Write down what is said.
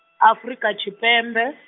Afurika Tshipembe.